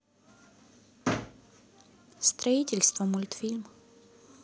строительство мультфильм